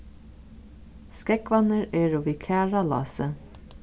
skógvarnir eru við karðalási